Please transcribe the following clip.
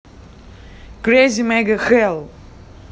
crazy mega hell